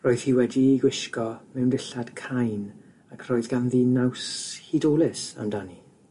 Roedd hi wedi'i gwisgo mewn dillad cain ac roedd ganddi naws hudolus amdani.